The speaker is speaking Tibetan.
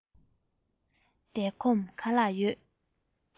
བསྡད ཁོམ ག ལ ཡོད